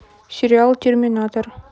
сериал терминатор